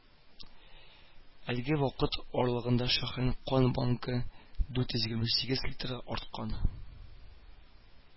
Әлеге вакыт аралыгында шәһәрнең кан банкы дүрт йөз егерме сигез литрга арткан